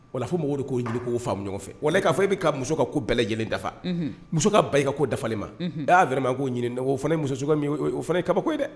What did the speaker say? Wala fo mako de'o ɲini k ko faamu ɲɔgɔn fɛ wa k'a e bɛ ka muso ka ko bɛlɛ lajɛlen dafa muso ka ba i ka ko dafa ma a y'a fɛ ma k' ɲini o muso o fana ne kabako ye dɛ